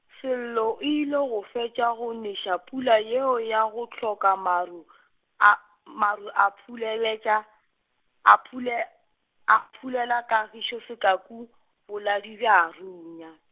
Sello o ile go fetša go neša pula yeo ya go hloka maru , a, maru a phuleletša, a phule, a phulela Kagišo sekaku, boladu bja runya.